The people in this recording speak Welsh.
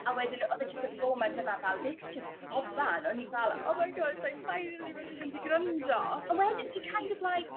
a wedyn o'dd e jyst y foment yna fel nes i jyst soban o'n i fel oh my god 's like finally ma' n'w mynd i grando a wedyn ti kind of like